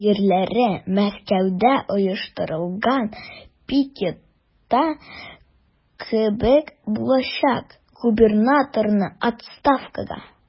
Шигарьләре Мәскәүдә оештырылган пикетта кебек булачак: "Губернаторны– отставкага!"